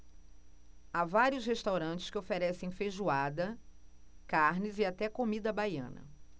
há vários restaurantes que oferecem feijoada carnes e até comida baiana